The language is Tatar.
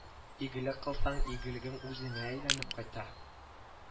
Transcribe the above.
Игелек кылсаң игелегең үзеңә әйләнеп кайта